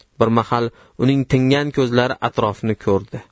bir mahal uning tingan ko'zlari atrofni ko'rdi